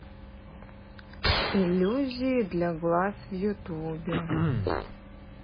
иллюзии для глаз в ютубе